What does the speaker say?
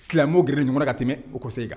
Silamɛb ɲɔgɔn ka tɛmɛ o kɔsɔ kan